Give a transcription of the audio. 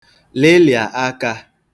lịlịà akā